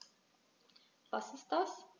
Was ist das?